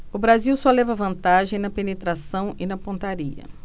o brasil só leva vantagem na penetração e na pontaria